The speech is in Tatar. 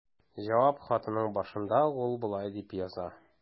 Җавап хатының башында ук ул болай дип яза.